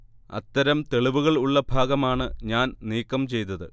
അത്തരം തെളിവുകൾ ഉള്ള ഭാഗമാണ് ഞാൻ നീക്കം ചെയ്തത്